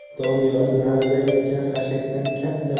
doniyor narida yotgan xashakdan katta